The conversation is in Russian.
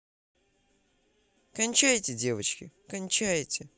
кончайте девочки кончайте